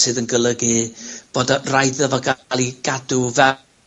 sydd yn golygu bod yy raid 'ddo ga'l 'i gadw fe...